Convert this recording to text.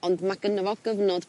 ond ma' gynno fo gyfnod